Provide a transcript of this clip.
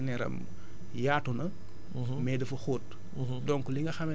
parce que gerte moom non seulement assiète racinaire am yaatu na